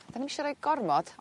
'Dan ni'm isio roi gormod